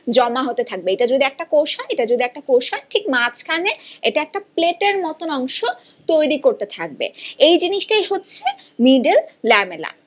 জমা হতে থাকবে এটা যদি একটা কোষ হয় এটা যদি একটা কোষ হয় এটা একটা প্লেট এর মতন অংশ তৈরি করতে থাকবে এই জিনিসটাই হচ্ছে মিডল ল্যামেলা